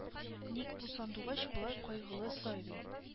Ник бу сандугач болай кайгылы сайрый